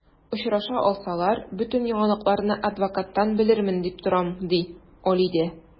Очраша алсалар, бөтен яңалыкларны адвокаттан белермен дип торам, ди Алидә.